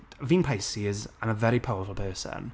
Fi'n Pisces, I'm a very powerful person.